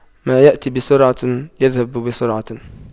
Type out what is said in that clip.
ما يأتي بسرعة يذهب بسرعة